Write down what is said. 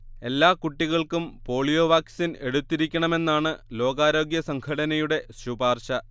എല്ലാ കുട്ടികൾക്കും polio vaccine എടുത്തിരിക്കണമെന്നാണ് ലോകാരോഗ്യസംഘടനയുടെ ശുപാർശ